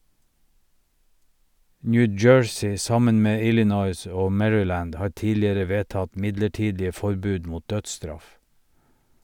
New Jersey, sammen med Illinois og Maryland, har tidligere vedtatt midlertidige forbud mot dødsstraff.